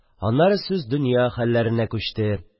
Аннары сүз донъя хәлләренә күчте.